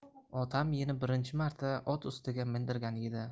otam meni birinchi marta ot ustiga mindirgan edi